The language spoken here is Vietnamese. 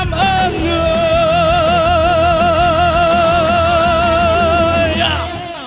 ơn người da